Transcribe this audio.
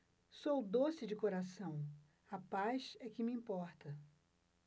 sou doce de coração a paz é que me importa